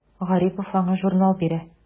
Гарипов аңа журнал бирә.